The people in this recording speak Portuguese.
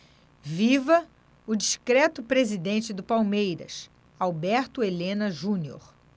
viva o discreto presidente do palmeiras alberto helena junior